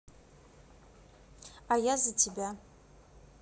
а я за тебя